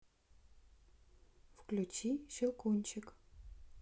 включи щелкунчик